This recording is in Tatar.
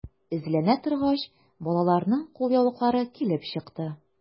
Эзләнә торгач, балаларның кулъяулыклары килеп чыкты.